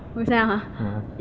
ngôi sao hả dạ